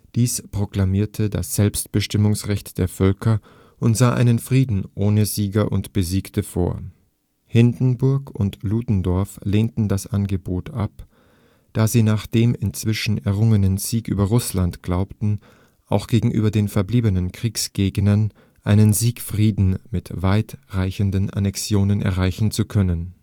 Dieses proklamierte das „ Selbstbestimmungsrecht der Völker “und sah einen Frieden „ ohne Sieger und Besiegte “vor. Hindenburg und Ludendorff lehnten das Angebot ab, da sie nach dem inzwischen errungenen Sieg über Russland glaubten, auch gegenüber den verbliebenen Kriegsgegnern einen „ Siegfrieden “mit weit reichenden Annexionen erreichen zu können